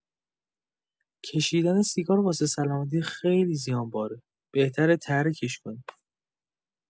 کشیدن سیگار واسه سلامتی خیلی زیانباره، بهتره ترکش کنی.